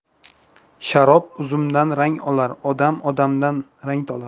sharob uzumdan rang olar odam odamdan rangtolar